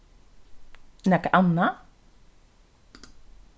nakað annað